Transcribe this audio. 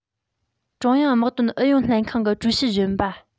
ཀྲུང དབྱང དམག དོན ཨུ ཡོན ལྷན ཁང གི ཀྲུའུ ཞི གཞོན པ